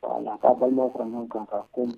Ala ka gankan ko ma